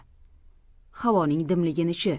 havoning dimligini chi